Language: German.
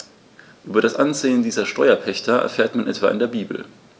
Über das Ansehen dieser Steuerpächter erfährt man etwa in der Bibel.